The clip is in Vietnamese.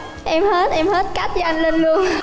em hết em hết cách với anh linh lun